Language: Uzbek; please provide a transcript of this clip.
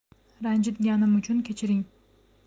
ranjitganim uchun kechiring